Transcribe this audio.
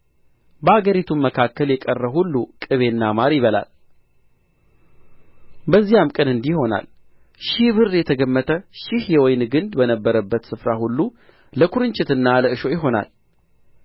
በአገሪቱም መካከል የቀረ ሁሉ ቅቤና ማር ይበላል በዚያም ቀን እንዲህ ይሆናል ሺህ ብር የተገመተ ሺህ የወይን ግንድ በነበረበት ስፍራ ሁሉ ለኵርንችትና ለእሾህ ይሆናል